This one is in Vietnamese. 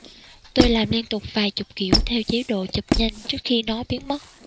tôi làm liên tục vài chục kiểu theo chế độ chụp nhanh trước khi nó biến mất